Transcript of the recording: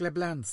Gleblans.